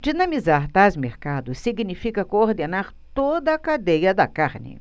dinamizar tais mercados significa coordenar toda a cadeia da carne